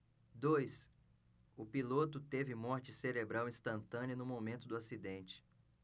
dois o piloto teve morte cerebral instantânea no momento do acidente